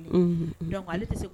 Donc ale tɛ se ka